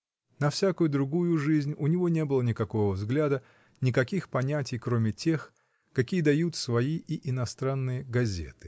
На всякую другую жизнь у него не было никакого взгляда, никаких понятий, кроме тех, какие дают свои и иностранные газеты.